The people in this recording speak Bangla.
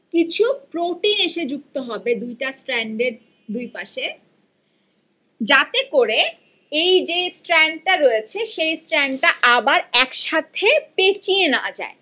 কিছু প্রোটিন এসে যুক্ত হবে দুইটা স্ট্যান্ডের দুই পাশে যাতে করে এই যে স্ট্র্যান্ড টা রয়েছে সেটা আবার একসাথে পেঁচিয়ে নেয়া যায়